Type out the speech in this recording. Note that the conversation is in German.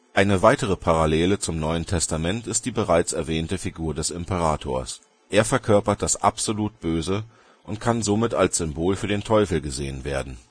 Eine weitere Parallele zum Neuen Testament ist die bereits erwähnte Figur des Imperators. Er verkörpert das absolut Böse und kann somit als Symbol für den Teufel gesehen werden